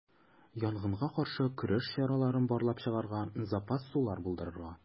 Янгынга каршы көрәш чараларын барлап чыгарга, запас сулар булдырырга.